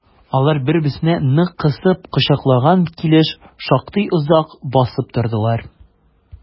Алар бер-берсен нык кысып кочаклаган килеш шактый озак басып тордылар.